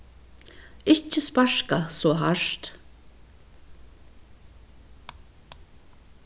ikki sparka so hart